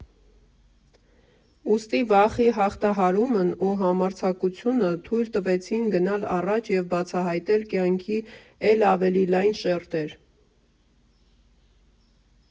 Ուստի վախի հաղթահարումն ու համարձակությունը թույլ տվեցին գնալ առաջ և բացահայտել կյանքի էլ ավելի լայն շերտեր։